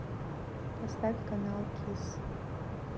поставь канал кис